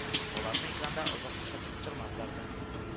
Аларны экранда озак күрсәтеп тормадылар да